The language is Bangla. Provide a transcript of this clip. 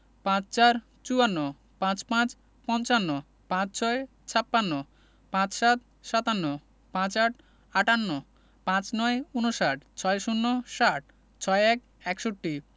৫৪ - চুয়ান্ন ৫৫ – পঞ্চান্ন ৫৬ – ছাপ্পান্ন ৫৭ – সাতান্ন ৫৮ – আটান্ন ৫৯ - ঊনষাট ৬০ - ষাট ৬১ – একষট্টি